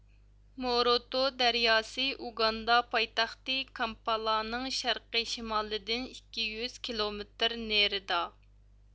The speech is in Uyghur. موروتو دەرياسى ئۇگاندا پايتەختى كامپالانىڭ شەرقىي شىمالىدىن ئىككى يۈز كىلومېتىر نېرىدا